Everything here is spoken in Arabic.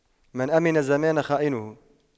من أَمِنَ الزمان خانه